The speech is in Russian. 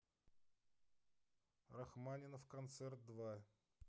рахманинов концерт два